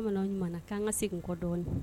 Bamananw ɲuman k'an ka segin n kɔ dɔɔnin